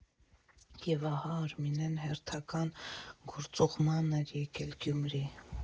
Եվ ահա, Արմինեն հերթական գործուղմանն էր եկել Գյումրի։